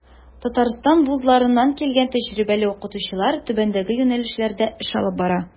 Татарстан вузларыннан килгән тәҗрибәле укытучылар түбәндәге юнәлешләрдә эш алып бара.